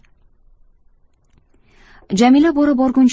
jamila bora borguncha